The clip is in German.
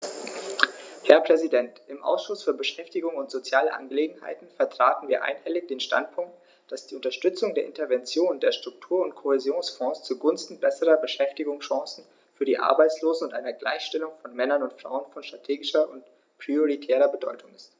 Herr Präsident, im Ausschuss für Beschäftigung und soziale Angelegenheiten vertraten wir einhellig den Standpunkt, dass die Unterstützung der Interventionen der Struktur- und Kohäsionsfonds zugunsten besserer Beschäftigungschancen für die Arbeitslosen und einer Gleichstellung von Männern und Frauen von strategischer und prioritärer Bedeutung ist.